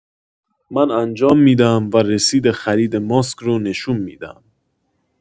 من انجام می‌دم و رسید خرید ماسک رو نشون می‌دم.